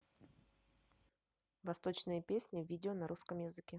восточные песни видео на русском языке